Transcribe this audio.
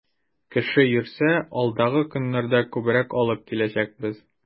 Кеше йөрсә, алдагы көннәрдә күбрәк алып киләчәкбез.